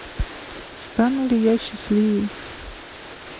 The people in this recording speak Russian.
стану ли я счастливей